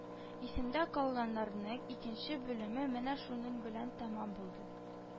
«исемдә калганнар»ның икенче бүлеме менә шуның белән тәмам булды